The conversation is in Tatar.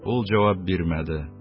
Ул җавап бирмәде